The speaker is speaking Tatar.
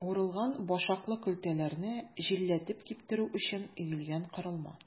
Урылган башаклы көлтәләрне җилләтеп киптерү өчен өелгән корылма.